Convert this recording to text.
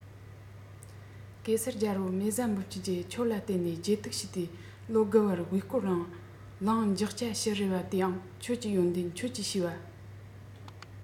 གེ སར རྒྱལ པོར མེ བཟའ འབུམ སྐྱིད ཀྱིས ཁྱོད ལ བརྟེན ནས བརྗེད དུག ཞུས ཏེ ལོ དགུ བར དབུ བསྐོར རིང གླིང འཇག སྐྱ ཕྱུ རེ བ དེ ཡང ཁྱོད ཀྱི ཡོན ཏན ཁྱོད ཀྱི བྱས པ